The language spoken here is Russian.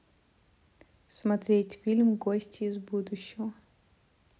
смотреть фильм гости из будущего